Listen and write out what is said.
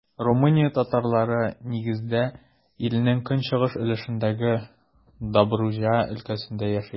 Румыния татарлары, нигездә, илнең көнчыгыш өлешендәге Добруҗа өлкәсендә яши.